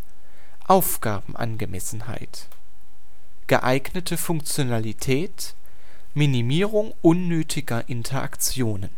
Aufgabenangemessenheit – geeignete Funktionalität, Minimierung unnötiger Interaktionen